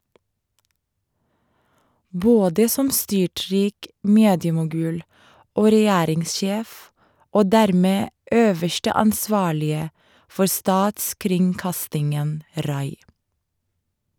Både som styrtrik mediemogul og regjeringssjef, og dermed øverste ansvarlige for statskringkastingen RAI.